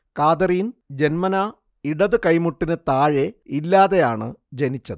Catherine ജന്മനാ ഇടത് കൈമുട്ടിന് താഴെ ഇല്ലാതെയാണ് ജനിച്ചത്